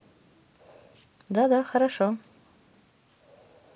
да да хорошо